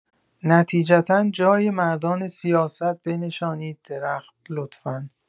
نتیجتا جای مردان سیاست بنشانید درخت، لطفا.